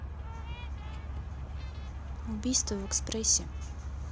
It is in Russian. убийство в экспрессе